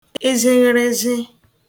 ịzhịghịrịzhị